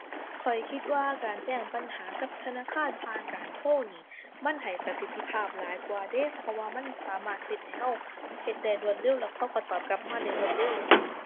ข้อยคิดว่าการแจ้งปัญหากับธนาคารผ่านการโทรนี้ มันให้ประสิทธิภาพหลายกว่าเดะ เพราะว่ามันสามารถเฮ็ดให้เราเฮ็ดได้รวดเร็ว แล้วเขาเราตอบกลับมาได้รวดเร็ว